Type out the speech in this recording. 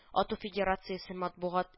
Ату федерациясе матбугат